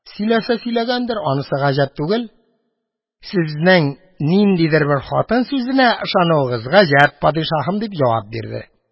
Сөйләсә сөйләгәндер, анысы гаҗәп түгел, сезнең ниндидер бер хатын сүзенә ышануыгыз гаҗәп, падишаһым! – дип җавап бирде.